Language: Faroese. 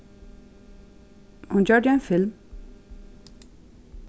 hon gjørdi ein film